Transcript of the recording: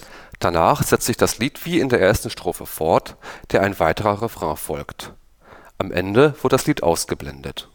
Danach setzt sich das Lied wie in der ersten Strophe fort, der ein weiterer Refrain folgt. Am Ende wird das Lied ausgeblendet